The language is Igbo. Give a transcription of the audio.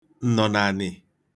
ǹnọ̀nàànị̀